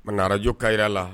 Araj kayra la